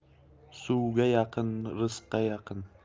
suvga yaqin rizqqa yaqin